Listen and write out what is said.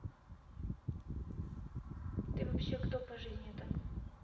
ты вообще кто по жизни то